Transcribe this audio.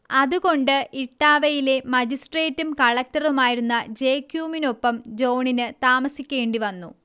അതുകൊണ്ട് ഇട്ടാവയിലെ മജിസ്ട്രേറ്റും കളക്റ്ററുമായിരുന്ന ജെ ക്യുമിനൊപ്പം ജോണിന് താമസിക്കേണ്ടി വന്നു